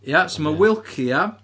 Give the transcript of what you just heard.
Ia so mae Wilkie ia?